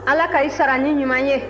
ala ka i sara ni ɲuman ye